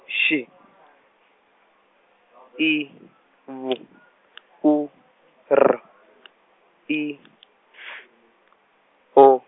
X I V U R I F O.